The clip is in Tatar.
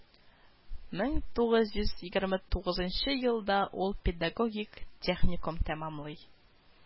Мең тугыз йөз егерме тугызынчы елда ул педагогик техникум тәмамлый